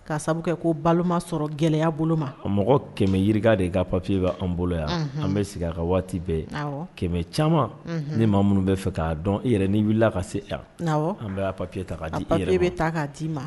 Ka sababu ko balo sɔrɔ gɛlɛya bolo ma o mɔgɔ kɛmɛ yiri de ka papiye bɛ an bolo yan an bɛ sigi ka waati bɛɛ ye kɛmɛ caman ne ma minnu bɛ fɛ k'a dɔn i yɛrɛ ni wili ka se yan an bɛ papiye ta k kapi bɛ taa' ma